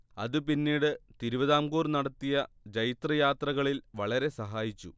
അത് പിന്നീട് തിരുവിതാംകൂർ നടത്തിയ ജൈത്രയാത്രകളിൽ വളരെ സഹായിച്ചു